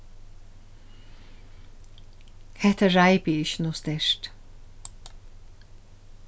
hetta reipið er ikki nóg sterkt